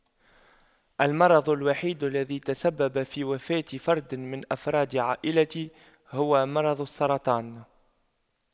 المرض الوحيد الذي تسبب في وفاة فرد من أفراد عائلتي هو مرض السرطان